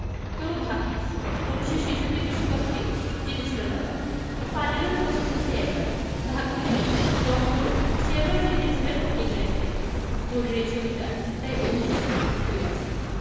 তবু ভাগ্যিস ১৯৬৬ বিশ্বকাপটি জিতেছিল তারা ফাইনালেও পৌঁছেছে সেই একবারই ভাগ্যিস ববি মুর সেবার জিতিয়েছিলেন ইংল্যান্ডকে মুরের এই ছবিটা তাই ঐতিহাসিক হয়ে আছে